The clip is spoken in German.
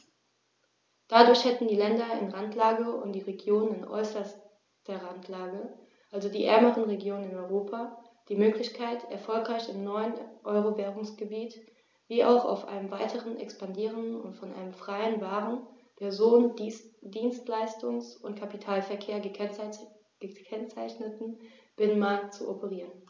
Dadurch hätten die Länder in Randlage und die Regionen in äußerster Randlage, also die ärmeren Regionen in Europa, die Möglichkeit, erfolgreich im neuen Euro-Währungsgebiet wie auch auf einem weiter expandierenden und von einem freien Waren-, Personen-, Dienstleistungs- und Kapitalverkehr gekennzeichneten Binnenmarkt zu operieren.